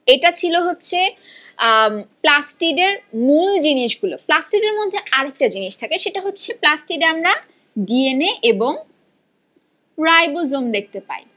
এটা ছিল হচ্ছে প্লাস্টিড এর মূল জিনিস গুলো প্লাস্টিড এর মধ্যে আরেকটা জিনিস থাকে সেটা হচ্ছে প্লাস্টিডে আমরা ডিএনএ এবং রাইবোজোম দেখতে পাই